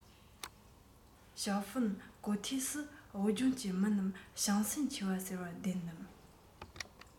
ཞའོ ཧྥུང གོ ཐོས སུ བོད ལྗོངས ཀྱི མི རྣམས བྱང སེམས ཆེ ཟེར བ དེ བདེན ནམ